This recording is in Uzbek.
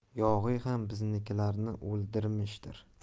yog'iy ham biznikilarni o'ldirmishdir